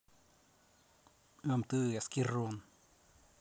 мтс кирон